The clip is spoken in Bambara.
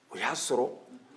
o ya sɔrɔ